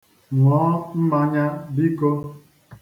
Ṅụọ mmanya, biko.